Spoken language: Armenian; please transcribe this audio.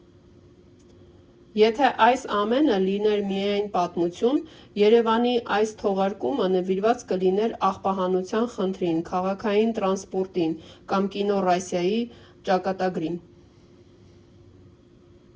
Եթե այդ ամենը լիներ միայն պատմություն, ԵՐԵՎԱՆի այս թողարկումը նվիրված կլիներ աղբահանության խնդրին, քաղաքային տրանսպորտին կամ կինո «Ռոսիայի» ճակատագրին։